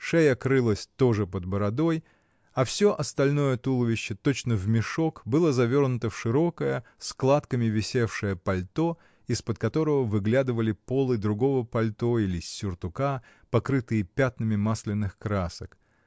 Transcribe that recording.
Шея крылась тоже под бородой, а всё остальное туловище, точно в мешок, было завернуто в широкое, складками висевшее пальто, из-под которого выглядывали полы другого пальто или сюртука, покрытые пятнами масляных красок.